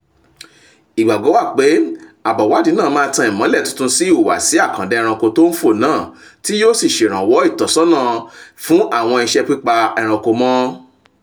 Ìgbàgbọ́ wà pé àbọ̀ ìwádìí náà máa tan ìmọ́lẹ̀ tuntun sí ìhùwàsí àkàndá ẹranko tó ń fò náà tí yóò sì ṣèrànwọ́ ìtasọ́nà fún àwọn iṣẹ́ pípa ẹ̀rankọ̀ mọ́.